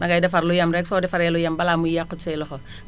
dangay defar lu yem rek soo defaree lu yem balaa muy yàqu ci say loxo